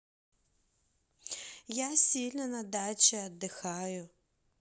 я сильно на даче отдыхаю